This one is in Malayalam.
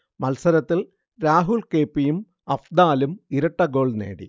മത്സരത്തിൽ രാഹുൽ കെ. പി. യും അഫ്ദാലും ഇരട്ടഗോൾ നേടി